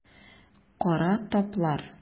Кара таплар.